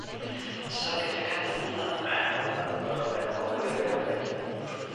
So gewch chi cadw hwnna. Wel ma' 'na cyfeiriad yndi?